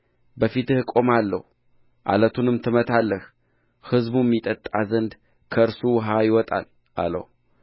በፊትህ እቆማለሁ ዓለቱንም ትመታለህ ሕዝቡም ይጠጣ ዘንድ ከእርሱ ውኃ ይወጣል አለው